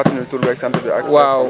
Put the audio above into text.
nga baal ñu fàttali ñu tur beeg sant bi ak